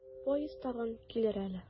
Поезд тагын килер әле.